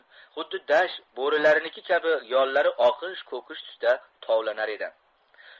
xuddi dasht bo'rilariniki kabi yollari oqish ko'kish tusda tovlanar edi